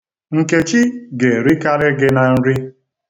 Nkechi ga-erikarị gị na nri.